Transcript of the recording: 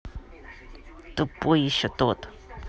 тупой еще тот